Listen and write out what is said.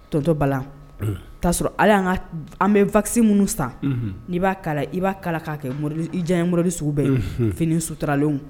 Tontɔ bala'a sɔrɔ ala y'an ka an bɛ fasi minnu san n'i b'a kala i b'a kala k'a kɛ jan ye moridi sugubɛ fini suturalenw